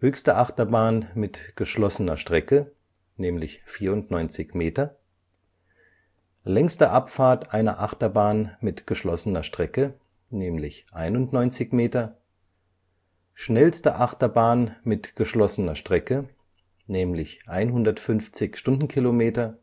höchste Achterbahn mit geschlossener Strecke (94 Meter) längste Abfahrt einer Achterbahn mit geschlossener Strecke (91 Meter) schnellste Achterbahn mit geschlossener Strecke (150 km/h)